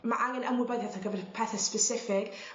ma' angen ymwybyddieth ar gyfer pethe sbesiffig